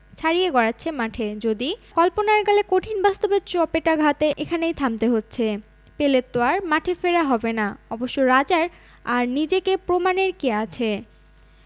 ছাড়িয়ে গড়াচ্ছে মাঠে যদি কল্পনার গালে কঠিন বাস্তবের চপেটাঘাতে এখানেই থামতে হচ্ছে পেলের তো আর মাঠে ফেরা হবে না অবশ্য রাজার আর নিজেকে প্রমাণের কী আছে